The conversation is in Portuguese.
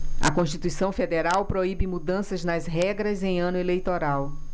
a constituição federal proíbe mudanças nas regras em ano eleitoral